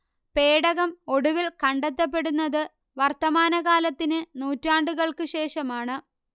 പേടകം ഒടുവിൽ കണ്ടെത്തപ്പെടുന്നത് വർത്തമാനകാലത്തിന് നൂറ്റാണ്ടുകൾക്ക് ശേഷമാണ്